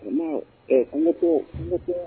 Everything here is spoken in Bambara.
Jama h ko ko